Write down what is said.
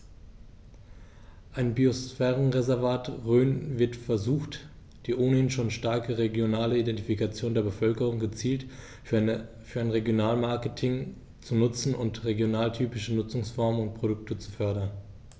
Im Biosphärenreservat Rhön wird versucht, die ohnehin schon starke regionale Identifikation der Bevölkerung gezielt für ein Regionalmarketing zu nutzen und regionaltypische Nutzungsformen und Produkte zu fördern.